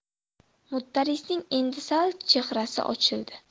mudarrisning endi sal chehrasi ochildi